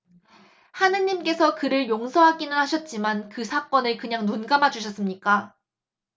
하느님께서 그를 용서하기는 하셨지만 그 사건을 그냥 눈감아 주셨습니까